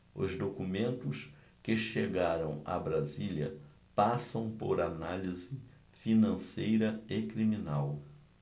os documentos que chegaram a brasília passam por análise financeira e criminal